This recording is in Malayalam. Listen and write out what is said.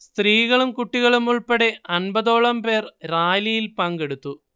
സ്ത്രീകളും കുട്ടികളും ഉൾപ്പെടെ അമ്പതോളം പേർ റാലിയിൽ പങ്കെടുത്തു